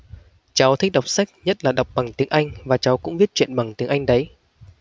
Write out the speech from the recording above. cháu thích đọc sách nhất là đọc bằng tiếng anh và cháu cũng viết truyện bằng tiếng anh đấy